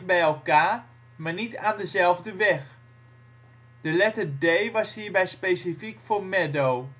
elkaar, maar niet aan dezelfde weg. De letter " D " was hierbij specifiek voor Meddo